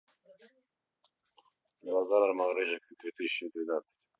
мелодрама рыжик две тысячи девятнадцать